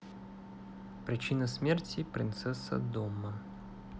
причина смерти принцесса дома